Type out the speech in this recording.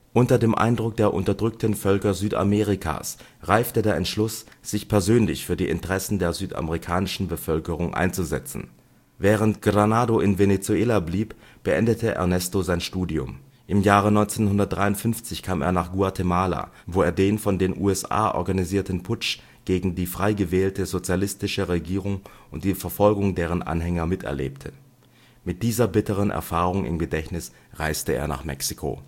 Unter dem Eindruck der unterdrückten Völker Südamerikas reifte der Entschluss, sich persönlich für die Interessen der südamerikanischen Bevölkerung einzusetzen. Während Granado in Venezuela blieb, beendete Ernesto sein Studium. Im Jahre 1953 kam er nach Guatemala, wo er den von den USA organisierten Putsch gegen die frei gewählte sozialistische Regierung und die Verfolgung deren Anhänger miterlebte. Mit dieser bitteren Erfahrung im Gedächtnis reiste er nach Mexiko